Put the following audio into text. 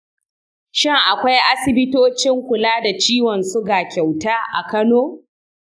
shin akwai asibitocin kula da ciwon suga kyauta a kano?